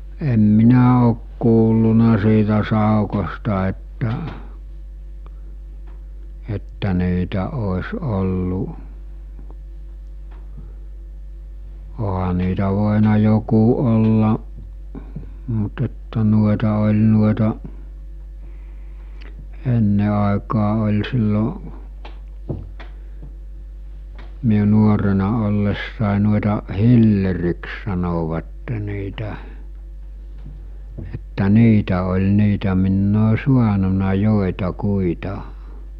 en minä ole kuullut siitä saukosta että että niitä olisi ollut onhan niitä voinut joku olla mutta että noita oli noita ennen aikaan oli silloin minun nuorena ollessa noita hilleriksi sanoivat niitä että niitä oli niitä minä olen saanut joitakuita